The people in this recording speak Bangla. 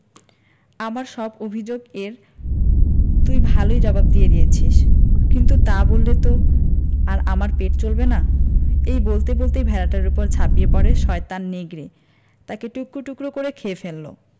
আমার সব অভিযোগ এর তুই ভালই জবাব দিয়ে দিয়েছিস কিন্তু তা বললে তো আর আমার পেট চলবে না এই বলতে বলতেই ভেড়াটার উপর ঝাঁপিয়ে পড়ে শয়তান নেগড়ে তাকে টুকরো টুকরো করে খেয়ে ফেলল